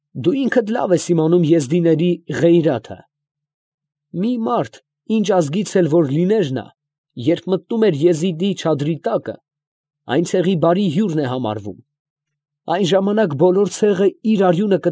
Դու ինքդ լավ ես իմանում եզիդիների ղեյրաթը (նախանձախնդրությունը). մի մարդ, ինչ ազգից էլ որ լիներ նա, երբ մտնում էր եզիդիի չադրի տակը, այն ցեղի բարի հյուրն է համարվում. այն ժամանակ բոլոր ցեղը իր արյունը։